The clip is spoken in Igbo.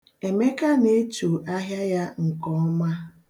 Emeka na-echo ahịa ya nkeọma.